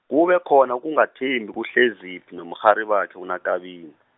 kube khona ukungathembi kuHleziphi nomrharibakhe uNaKabini.